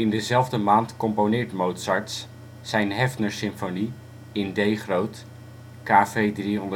dezelfde maand componeert Mozart zijn " Haffner "- symfonie in D groot (KV 385